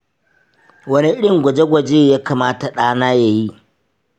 wane irin gwaje-gwaje ya kamata ɗana ya yi?